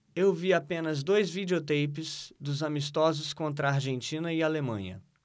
eu vi apenas dois videoteipes dos amistosos contra argentina e alemanha